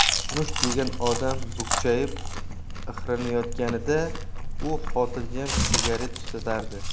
musht yegan odam bukchayib ixranayotganida u xotirjam sigaret tutatardi